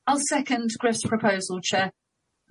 Yym I'll second Chris' proposal chair.